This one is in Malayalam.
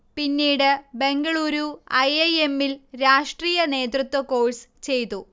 പിന്നീട് ബെംഗളൂരു ഐ. ഐ. എമ്മിൽ രാഷ്ട്രീയ നേതൃത്വ കോഴ്സ് ചെയ്തു